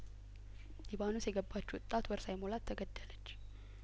ሊባኖስ የገባች ወጣት ወር ሳይሞላት ተገደለች